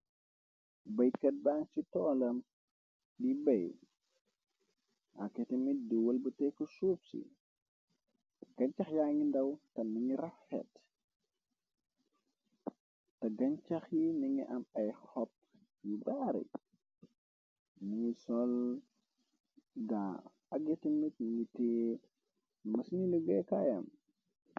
Baykat baan ci toolam li bay ak ete mit di wël ba tekk suuf si gancax ya ngi ndaw tan nangi raxxeet té gancax yi nangi am ay xop yu baari nangi sol ga ak géte mit ni tee ma sini lugée kaayam.